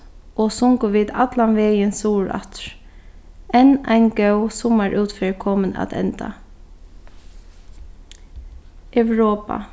og sungu vit allan vegin suður aftur enn ein góð summarútferð komin at enda europa